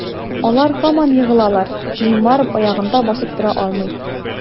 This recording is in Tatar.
Алар һаман егылалар, Неймар аягында басып тора алмый.